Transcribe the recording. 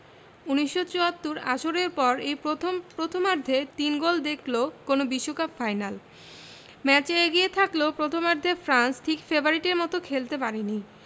১৯৭৪ আসরের পর এই প্রথম প্রথমার্ধে তিন গোল দেখল কোনো বিশ্বকাপ ফাইনাল ম্যাচে এগিয়ে থাকলেও প্রথমার্ধে ফ্রান্স ঠিক ফেভারিটের মতো খেলতে পারেনি